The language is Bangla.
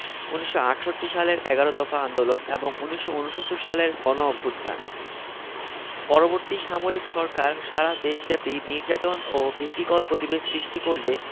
১৯৬৮ সালের এগারো দফা আন্দোলন এবং ১৯৬৯ সালের গণঅভ্যুত্থান পরবর্তী সামরিক সরকার সারা দেশব্যাপী নির্যাতন ও ভীতিকর পরিবেশ সৃষ্টি করলে